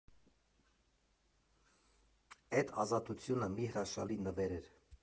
Էդ ազատությունը մի հրաշալի նվեր էր։